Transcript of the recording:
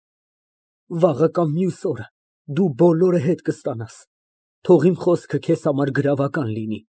ՄԱՐԳԱՐԻՏ ֊ Վաղը կամ մյուս օրը դու բոլորը հետ կստանաս, թող իմ խոսքը քեզ համար գրավական լինի։